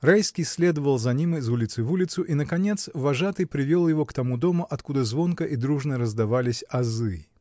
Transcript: Райский следовал за ним из улицы в улицу, и наконец вожатый привел его к тому дому, откуда звонко и дружно раздавались азы.